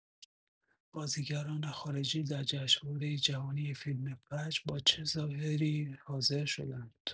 بازیگران خارجی در جشنواره جهانی فیلم فجر با چه ظاهری حاضر شدند؟